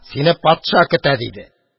Сине патша көтә, – диде.